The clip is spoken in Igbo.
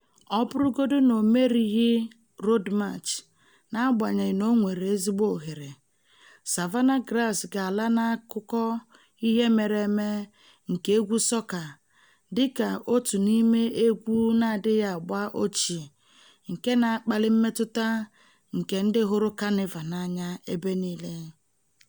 Ọ bụrụgodu na o merighị Road March (na-agbanyeghị na o nwere ezigbo ohere!), "Savannah Grass" ga-ala n'akụkọ ihe mere eme nke egwu sọka dịka otu n'ime egwu na-adịghị agba ochie nke na-akpali mmetụta nke ndị hụrụ Kanịva n'anya ebe nile.